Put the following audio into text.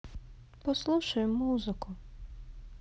послушаем музыку